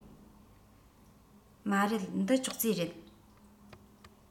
མ རེད འདི ཅོག ཙེ རེད